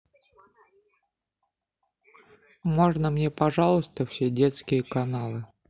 можно мне пожалуйста все детские каналы